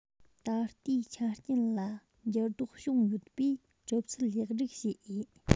ད ལྟའི ཆ རྐྱེན ལ འགྱུར ལྡོག བྱུང ཡོད པས གྲུབ ཚུལ ལེགས སྒྲིག བྱེད འོས